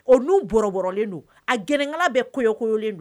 O nun bɔrɔbɔrɔlen do a gɛnɛnkala bɛɛɛ koyokoyolen do